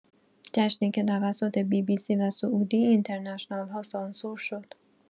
جشنی که توسط بی‌بی‌سی و سعودی اینترنشنال‌ها سانسور شد.